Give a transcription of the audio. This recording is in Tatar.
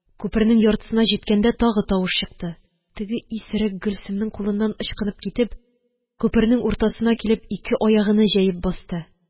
Күпернең яртысына җиткәндә, тагы тавыш чыкты, теге исерек Гөлсемнең кулыннан ычкынып китеп, күпернең уртасына килеп, ике аягыны җәеп басты